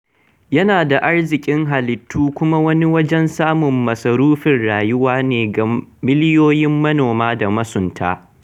Yana da arziƙin halittu kuma wani wajen samun masarufin rayuwa ne ga miliyoyin manoma da masunta.